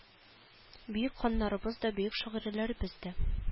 Бөек ханнарыбыз да бөек шагыйрьләребез дә